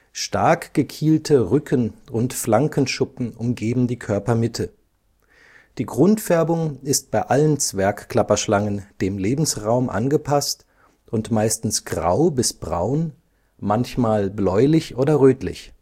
Stark gekielte Rücken - und Flankenschuppen umgeben die Körpermitte. Die Grundfärbung ist bei allen Zwergklapperschlangen dem Lebensraum angepasst und meistens grau bis braun, manchmal bläulich oder rötlich